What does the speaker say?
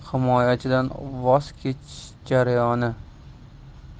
himoyachidan voz kechish jarayoni